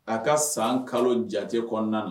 A ka san kalo jate kɔnɔna na